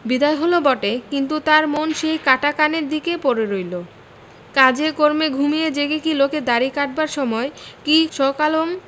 বিদায় হল বটে কিন্তু তার মন সেই কাটা কানের দিকে পড়ে রইল কাজে কর্মে ঘুমিয়ে জেগে কী লোকের দাড়ি কাটবার সময় কী সকালম